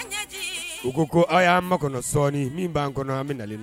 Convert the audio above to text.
U ko y'an ma kɔnɔ sɔɔni min b'an kɔnɔ an bɛ na